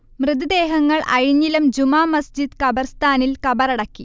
മൃതദേഹങ്ങൾ അഴിഞ്ഞിലം ജുമാ മസ്ജിദ് കബർസ്ഥാനിൽ കബറടക്കി